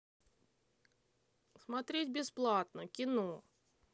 смотреть бесплатно кино